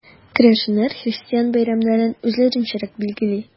Керәшеннәр христиан бәйрәмнәрен үзләренчәрәк билгели.